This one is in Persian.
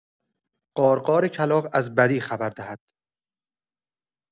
قار قار کلاغ از بدی خبر دهد